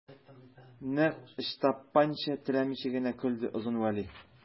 Нәкъ Ычтапанча теләмичә генә көлде Озын Вәли.